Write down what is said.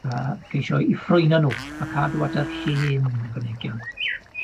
yy ceisio 'u ffrwyno nw a cadw at yr hen fynegiant